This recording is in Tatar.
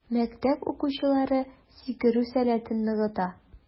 Мәктәп укучылары сикерү сәләтен ныгыта.